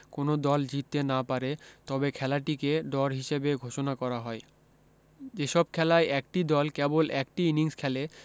কোন দল জিততে না পারে তবে খেলাটিকে ডর হিসেবে ঘোষণা করা হয় যেসব খেলায় একটি দল কেবল একটি ইনিংস খেলে